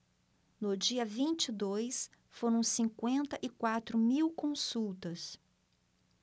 no dia vinte e dois foram cinquenta e quatro mil consultas